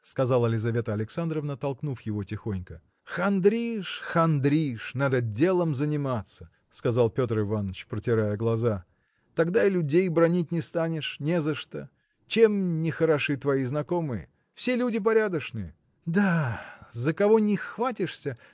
– сказала Лизавета Александровна, толкнув его тихонько. – Хандришь, хандришь! Надо делом заниматься – сказал Петр Иваныч протирая глаза – тогда и людей бранить не станешь не за что. Чем не хороши твои знакомые? всё люди порядочные. – Да! за кого ни хватишься